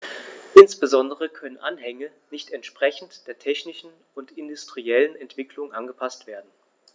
Insbesondere können Anhänge nicht entsprechend der technischen und industriellen Entwicklung angepaßt werden.